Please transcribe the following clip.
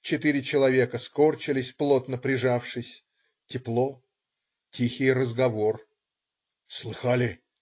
Четыре человека скорчились, плотно прижавшись. Тепло. Тихий разговор. "Слыхали?